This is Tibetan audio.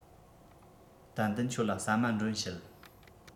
ཏན ཏན ཁྱོད ལ ཟ མ མགྲོན བྱེད